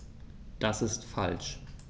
Das ist falsch.